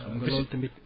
xam nga loolu tamit